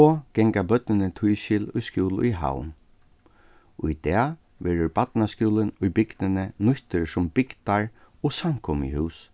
og ganga børnini tískil í skúla í havn í dag verður barnaskúlin í bygdini nýttur sum bygdar- og samkomuhús